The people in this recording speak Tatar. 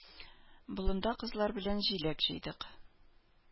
Болында кызлар белән җиләк җыйдык.